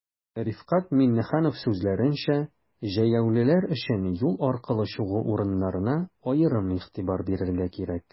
Рифкать Миңнеханов сүзләренчә, җәяүлеләр өчен юл аркылы чыгу урыннарына аерым игътибар бирергә кирәк.